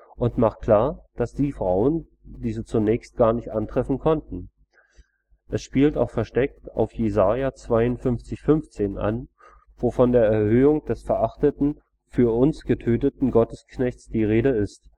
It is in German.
und macht klar, dass die Frauen diese zunächst gar nicht antreffen konnten. Es spielt auch versteckt auf Jes 52,15 EU an, wo von der Erhöhung des verachteten, „ für uns “getöteten Gottesknechts die Rede ist